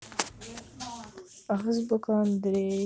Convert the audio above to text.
азбука андрей